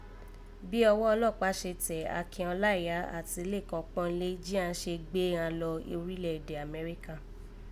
Bí ọwọ́ ọlọ́pàá se tẹ̀ Akin Ọláìya àti Lékan Pọ́nlé jí a sì gbé ghan lọ orílẹ̀ èdè Amẹ́ríkà